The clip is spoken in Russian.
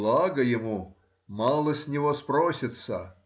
благо ему: мало с него спросится.